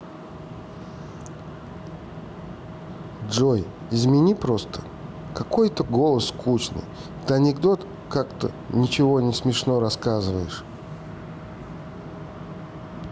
джой измени просто какой то голос скучный ты анекдот как то ниче не смешно рассказываешь